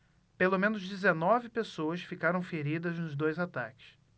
pelo menos dezenove pessoas ficaram feridas nos dois ataques